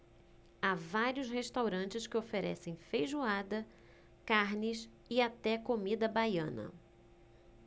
há vários restaurantes que oferecem feijoada carnes e até comida baiana